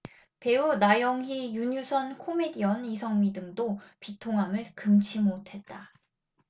배우 나영희 윤유선 코미디언 이성미 등도 비통함을 금치 못했다